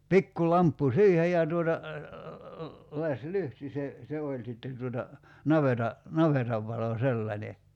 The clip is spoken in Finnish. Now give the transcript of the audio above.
pikku lamppu siihen ja tuota lasilyhty se se oli sitten tuota navetan navetan valo sellainen